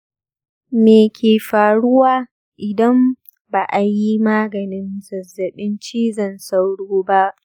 me ke faruwa idan ba a yi maganin zazzaɓin cizon sauro ba